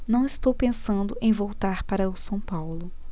não estou pensando em voltar para o são paulo